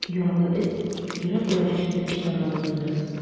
Яралы эт йөрәк яргыч итеп чинарга тотынды.